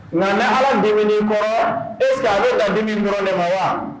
Nka ni ala dumuni bɔra eseke ale bɛ ka di kɔrɔ de ma wa